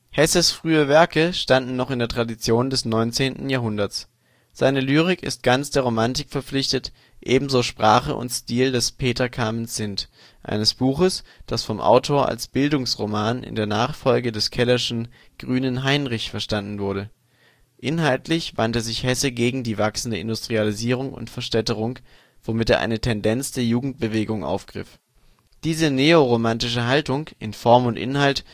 Hesses frühe Werke standen noch in der Tradition des 19. Jahrhunderts: Seine Lyrik ist ganz der Romantik verpflichtet, ebenso Sprache und Stil des " Peter Camenzind ", eines Buches, das vom Autor als Bildungsroman in der Nachfolge des Kellerschen " Grünen Heinrich " verstanden wurde. Inhaltlich wandte sich Hesse gegen die wachsende Industrialisierung und Verstädterung, womit er eine Tendenz der Jugendbewegung aufgriff. Diese neoromantische Haltung in Form und Inhalt